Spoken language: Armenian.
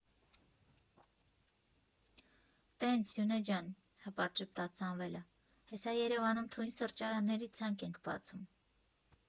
֊ Տենց, Սյունե ջան, ֊ հպարտ ժպտաց Սամվելը, ֊ հեսա Երևանում թույն սրճարանների ցանց ենք բացում։